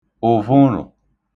ụ̀vụṙụ̀